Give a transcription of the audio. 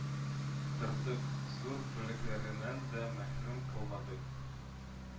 Тордык, зур бүләкләреннән дә мәхрүм калмадык